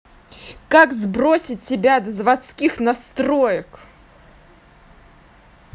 как сбросить тебя до заводских настроек